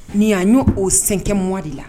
Ni' y' oo senkɛ mɔ de la